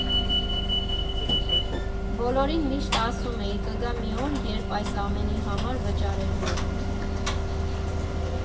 Բոլորին միշտ ասում էի՝ կգա մի օր, երբ այս ամենի համար վճարելու եք։